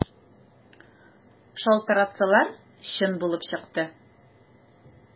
Шалтыратсалар, чын булып чыкты.